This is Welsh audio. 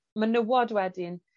menywod wedyn